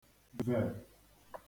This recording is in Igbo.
-vè